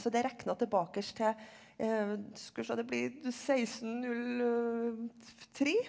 så det er regnet tilbake til skal vi se det blir sekstennulltre.